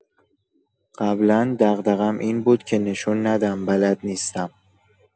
قبلا دغدغم این بود که نشون ندم بلد نیستم.